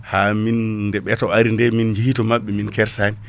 hamin nde ɓeeto ari nde min jeehi to mabɓe min kersani